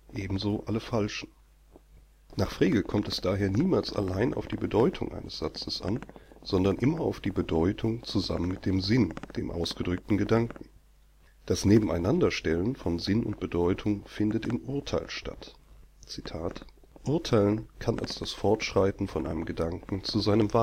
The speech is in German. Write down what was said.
ebenso alle falschen. Nach Frege kommt es daher niemals allein auf die Bedeutung eines Satzes an, sondern immer auf die Bedeutung zusammen mit dem Sinn, dem ausgedrückten Gedanken. Das Nebeneinanderstellen von Sinn und Bedeutung findet im „ Urteil “statt: „ Urteilen kann als Fortschreiten von einem Gedanken zu seinem Wahrheitswerte